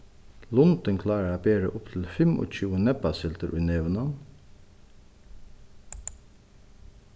lundin klárar at bera upp til fimmogtjúgu nebbasildir í nevinum